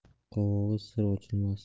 qovog'i sira ochilmasdi